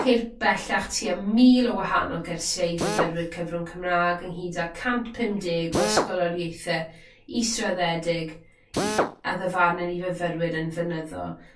Ceir bellach tua mil o wahanol gyrsie i fyfyrwyr cyfrwng Cymra'g ynghyd â cant pum deg o ysgoloriaethe israddedig i a ddyfarnwn i fyfyrwyr yn fynyddol.